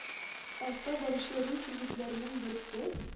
Аста баручы рус егетләренең берсе,